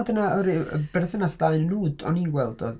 Dyna oherwydd y berthynas y ddau ohonyn nhw o'n i'n gweld oedd...